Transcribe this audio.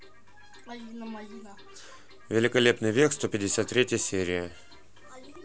великолепный век сто пятьдесят третья серия